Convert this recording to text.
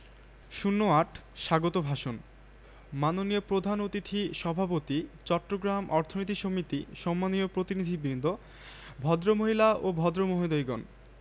০৮ স্বাগত ভাষণ মাননীয় প্রধান অতিথি সভাপতি চট্টগ্রাম অর্থনীতি সমিতি সম্মানীয় প্রতিনিধিবৃন্দ ভদ্রমহিলা ও ভদ্রমহোদয়গণ